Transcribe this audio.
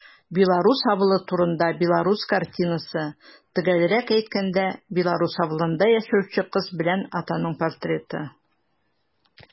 Белорус авылы турында белорус картинасы - төгәлрәк әйткәндә, белорус авылында яшәүче кыз белән атаның портреты.